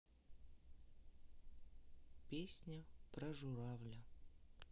песня про журавля